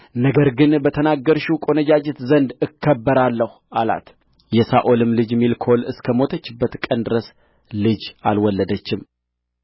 ነገር ግን በተናገርሽው ቈነጃጅት ዘንድ እከብራለሁ አላት የሳኦልም ልጅ ሜልኮል እስከ ሞተችበት ቀን ድረስ ልጅ አልወለደችም